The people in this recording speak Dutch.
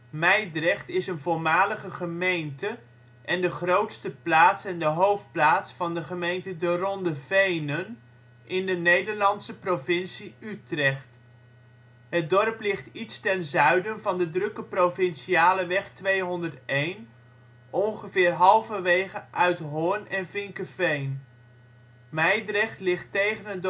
Mijdrecht is een voormalige gemeente, en de grootste plaats en de hoofdplaats van de gemeente De Ronde Venen in de Nederlandse provincie Utrecht. Het dorp ligt iets ten zuiden van de drukke provinciale weg 201, ongeveer halverwege Uithoorn en Vinkeveen. Mijdrecht ligt tegen